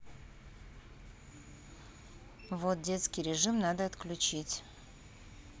вот детский режим надо отключить